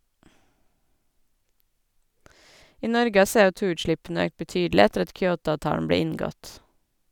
I Norge har CO2-utslippene økt betydelig etter at Kyoto-avtalen ble inngått.